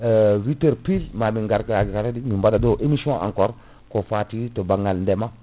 8 heures pile mamin garga kadi min baɗaɗo émission encore ko fati to banggal ndeema